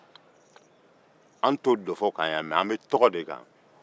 an t'o dɔfɔ kan yan mɛ an tɔgɔ de kan